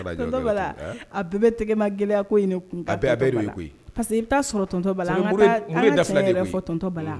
A bɛɛ tigɛ gɛlɛya itɔ